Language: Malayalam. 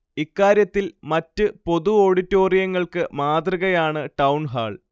ഇക്കാര്യത്തിൽ മറ്റു പൊതു ഓഡിറ്റോറിയങ്ങൾക്ക് മാതൃകയാണ് ടൗൺഹാൾ